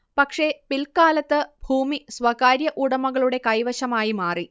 പക്ഷേ പിൽക്കാലത്ത് ഭൂമി സ്വകാര്യ ഉടമകളുടെ കൈവശമായി മാറി